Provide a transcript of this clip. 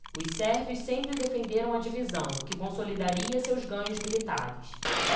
os sérvios sempre defenderam a divisão que consolidaria seus ganhos militares